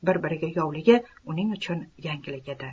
bir biriga yovligi uning uchun yangilik edi